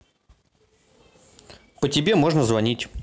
по тебе можно звонить